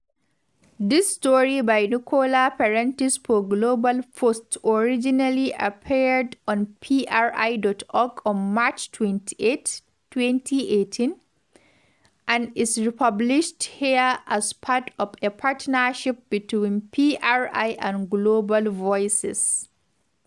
This story by Nicola Prentis for GlobalPost originally appeared on PRI.org on March 28, 2018, and is republished here as part of a partnership between PRI and Global Voices.